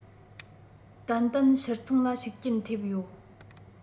ཏན ཏན ཕྱིར ཚོང ལ ཤུགས རྐྱེན ཐེབས ཡོད